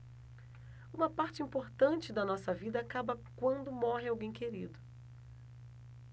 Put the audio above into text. uma parte importante da nossa vida acaba quando morre alguém querido